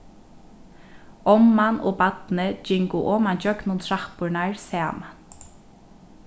omman og barnið gingu oman gjøgnum trappurnar saman